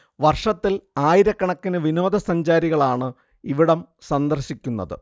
വർഷത്തിൽ ആയിരക്കണക്കിനു വിനോദസഞ്ചാരികളാണ് ഇവിടം സന്ദർശിക്കുന്നത്